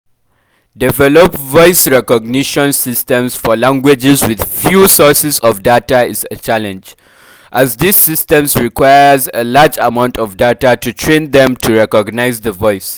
Develop voice recognition systems for languages with few sources of data is a challenge, as these systems requires a large amount of data to “train” them to recognize the language.